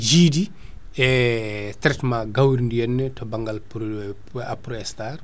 jiidi ee traitement gawridi henna to banggal pro Aprostar